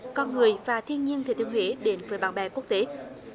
con người và thiên nhiên thừa thiên huế đến với bạn bè quốc tế